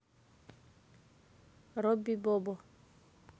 robbie бобо